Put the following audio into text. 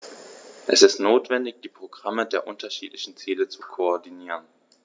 Es ist notwendig, die Programme der unterschiedlichen Ziele zu koordinieren.